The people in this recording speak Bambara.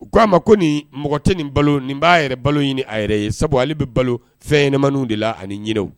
U ko a ma ko niin mɔgɔ te nin balo nin b'a yɛrɛ balo ɲini a yɛrɛ ye sabu ale be balo fɛnɲɛnɛmaniw de la ani ɲinɛw